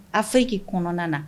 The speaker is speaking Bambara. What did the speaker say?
A fɛ k'i kɔnɔna na